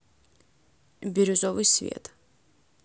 бирюзовый свет